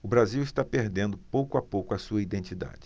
o brasil está perdendo pouco a pouco a sua identidade